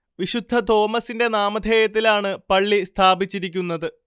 വിശുദ്ധ തോമസിന്റെ നാമധേയത്തിലാണ് പള്ളി സ്ഥാപിച്ചിരിക്കുന്നത്